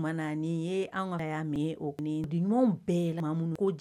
O tuma ni ye an ka y'a min o ɲumanw bɛɛ lammu ko di